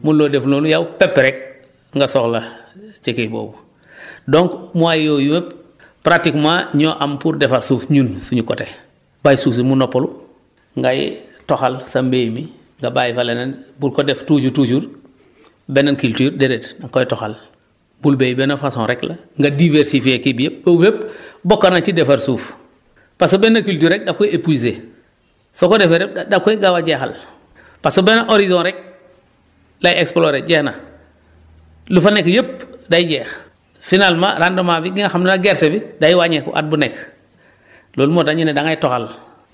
mënuloo def noonu yow pepp rek nga soxla ci kii boobu donc moyens yooyu yëpp pratiquement ñoo am pour defar suuf ñun suñu côté bàyyi suuf si mu noppalu ngay toxal sa mbéy mi nga bàyyi fa leneen bul ko def tout le toujours toujours benn culture déedéet da nga koy toxal bul béy benn façon rek la nga diversifier kii bi yëpp loolu yëpp bokk na ci defar suuf parce que benn culture rek da koy épuiser soo ko defee rek da da koy gaaw a jeexal parce que beneen horizon rek lay explorer jeex na lu fa nekk yëpp day jeex finalement rendement bi gi nga xam ne nag gerte bi day wàññeeku at bu nekk loolu moo tax énu ne da ngay toxal